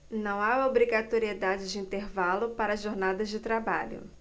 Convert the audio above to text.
não há obrigatoriedade de intervalo para jornadas de trabalho